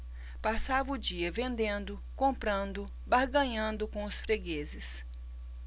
passava o dia vendendo comprando barganhando com os fregueses